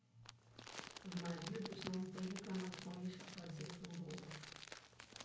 os maridos não têm reclamações a fazer um do outro